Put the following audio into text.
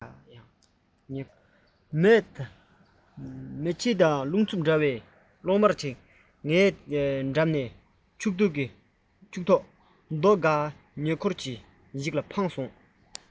མེ ལྕེའི རླུང འཚུབ དང འདྲ བའི གློག དམར ངའི ཉེ འཁོར ནས འཁྱུག ཐོག རྡོ འགའ ཡང ཉེ འཁོར ཞིག ལ འཕངས བྱུང